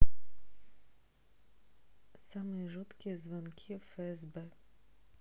самые жуткие звонки в фсб